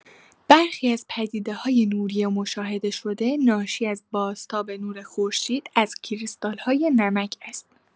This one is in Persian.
برخی از پدیده‌های نوری مشاهده شده ناشی از بازتاب نور خورشید از کریستال‌های نمک است.